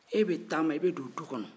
e be taama i bɛ don dukɔnɔ